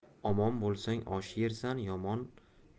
omon bo'lsang osh yersan